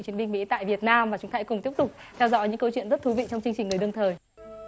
chiến binh mỹ tại việt nam và chúng ta hãy cùng tiếp tục theo dõi những câu chuyện rất thú vị trong chương trình người đương thời